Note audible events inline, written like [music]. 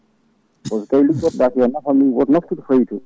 [coughs] eyyi so tawi liggortoɗa ko nafan woto naftu ɗo fayito